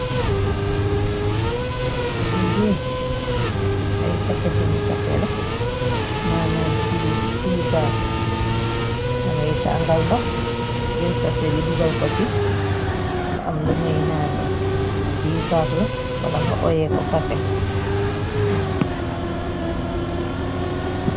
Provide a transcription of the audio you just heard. Liidee ay pakketim, kafe la maanaam cii tii baak la ngay tangal nox, jël sase bi dugal ko si, nga am lu ngay naanee. Tii baak la, wala nga oye ko kafe.